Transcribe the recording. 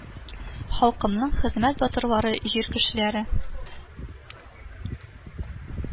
Халкымның хезмәт батырлары җир кешеләре